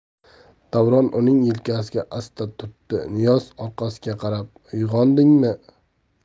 davron uning yelkasiga asta turtdi niyoz orqasiga qaradi uyg'ondingmi